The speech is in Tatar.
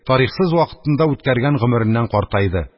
Тарихсыз вакытында үткәргән гомереннән картайды.